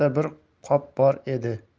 bir qop bor edi